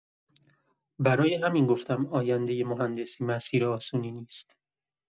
برای همین گفتم آینده مهندسی مسیر آسونی نیست.